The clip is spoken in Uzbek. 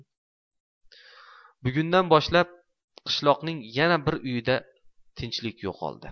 bugundan boshlab qishloqning yana bir uyida tinchlik yo'qoldi